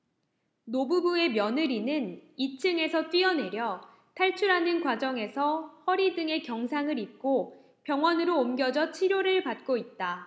노부부의 며느리는 이 층에서 뛰어내려 탈출하는 과정에서 허리 등에 경상을 입고 병원으로 옮겨져 치료를 받고 있다